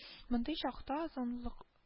Мондый чакта озынлык